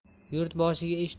yurt boshiga ish